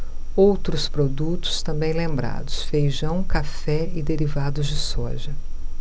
outros produtos também lembrados feijão café e derivados de soja